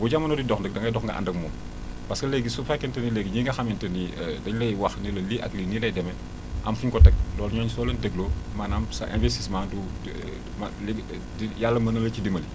bu jamono do dox nag da ngay dox nga ànd ak moom parce léegi su fekkente ni léegi ñii nga xamante ni dañu lay wax ni la lii ak lii nii lay demee am fu ñu ko teg loolu ñooñu soo leen dégloo maanaam sa investissement du ma léegi di yàlla mën na la ci dimbali